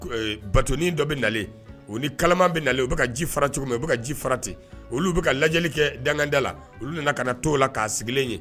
Batonuni dɔ bɛ nale u ni kalaman bɛ na u bɛ ka ji fara cogo min u bɛ ka ji fara ten olu bɛ ka lajɛli kɛ danganda la olu nana ka na to la k'a sigilen ye